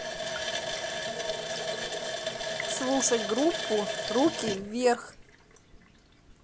слушать группу руки вверх